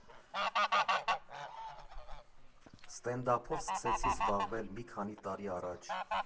Ստենդափով սկսեցի զբաղվել մի քանի տարի առաջ։